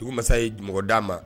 Dugu masa ye mɔgɔ d dia ma